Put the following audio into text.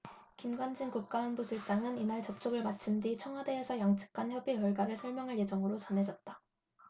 김관진 국가안보실장은 이날 접촉을 마친 뒤 청와대에서 양측간 협의 결과를 설명할 예정으로 전해졌다